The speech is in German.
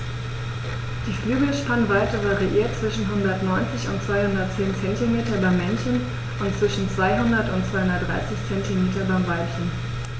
Die Flügelspannweite variiert zwischen 190 und 210 cm beim Männchen und zwischen 200 und 230 cm beim Weibchen.